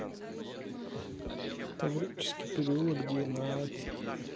таврический переулок двенадцать